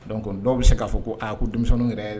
Dɔnku dɔw bɛ se k'a fɔ ko aa ko denmisɛnnin yɛrɛ